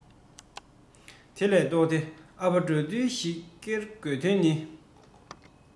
དེ ལས ལྡོག སྟེ ཨ ཕ དགྲ འདུལ ཞིག ཀེར དགོས དོན ནི